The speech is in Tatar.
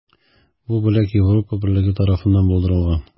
Бу бүләк Европа берлеге тарафыннан булдырылган.